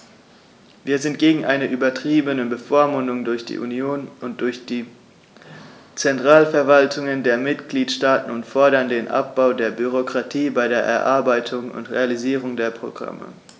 Wir sind gegen eine übertriebene Bevormundung durch die Union und die Zentralverwaltungen der Mitgliedstaaten und fordern den Abbau der Bürokratie bei der Erarbeitung und Realisierung der Programme.